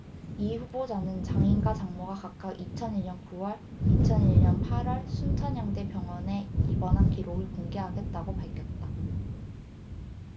이 후보자는 장인과 장모가 각각 이천 일 년 구 월 이천 일 년 팔 월 순천향대 병원에 입원한 기록을 공개하겠다고 밝혔다